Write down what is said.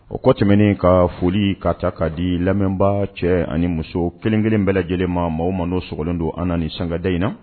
O kɔ tɛmɛnen ka foli kaa ta ka di lamɛnba cɛ ani muso kelenkelen bɛɛ lajɛlen ma mɔgɔ ma don sogolen don an sankada in na